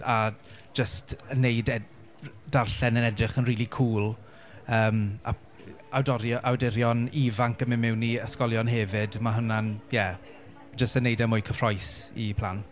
A jyst yn wneud e, r- darllen yn edrych yn rili cŵl yym a awdorio- awdurion ifanc yn mynd mewn i ysgolion hefyd, ma' hwnna'n ie jyst yn wneud e'n mwy cyffrous i plant.